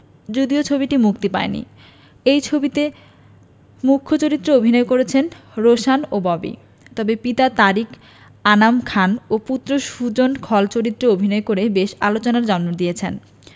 যদিও ছবিটি মুক্তি পায়নি এই ছবিতে মূখ চরিত্রে অভিনয় করছেন রোশান ও ববি তবে পিতা তারিক আনাম খান ও পুত্র সুজন খল চরিত্রে অভিনয় করে বেশ আলোচনার জন্ম দিয়েছেন